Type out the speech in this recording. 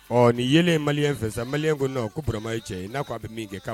Ɔ nin yelen mali in fɛsa mali ko nɔn ko burama ye cɛ in n'a ko a bɛ min kɛ kan